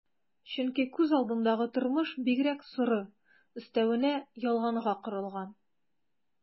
Чөнки күз алдындагы тормыш бигрәк соры, өстәвенә ялганга корылган...